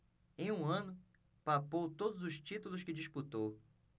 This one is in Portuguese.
em um ano papou todos os títulos que disputou